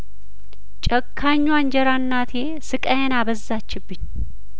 ጨካኟ እንጀራ እናቴ ስቃዬን አበዛ ችብኝ